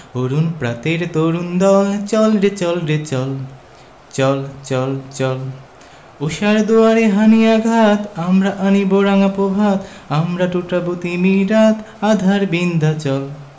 অরুণ প্রাতের তরুণ দল চল রে চল রে চল চল চল চল ঊষার দুয়ারে হানি' আঘাত আমরা আনিব রাঙা প্রভাত আমরা টুটাব তিমির রাত বাধার বিন্ধ্যাচল